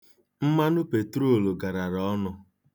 Mmanụ petrol garara ọnụ.